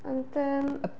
Ond yym...